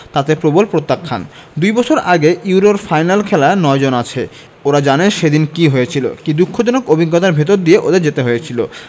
তাতে প্রবল প্রত্যাখ্যান দুই বছর আগে ইউরোর ফাইনালে খেলা ৯ জন আছে ওরা জানে সেদিন কী হয়েছিল কী দুঃখজনক অভিজ্ঞতার ভেতর দিয়ে ওদের যেতে হয়েছিল